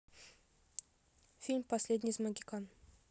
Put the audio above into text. фильм последний из могикан